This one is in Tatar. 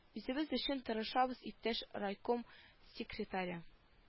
Үзебез өчен тырышабыз иптәш райком секретаре